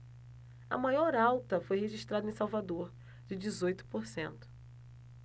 a maior alta foi registrada em salvador de dezoito por cento